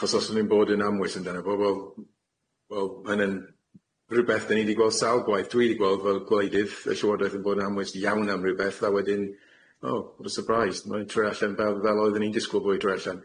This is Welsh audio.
Achos os 'dyn ni'n bod yn amwys amdano fo wel m- wel ma' hynne'n rwbeth 'dyn ni 'di gweld sawl gwaith dwi 'di gweld fel gwleidydd y llywodraeth yn bod yn amwys iawn am rwbeth a wedyn o what ay syprais ma' e'n troi allan fel fel odde ni'n disgwl fo i troi allan.